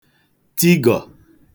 tigọ